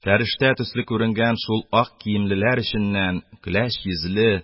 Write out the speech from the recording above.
Фәрештә төсле күренгән шул ак киемлеләр эченнән көләч йөзле,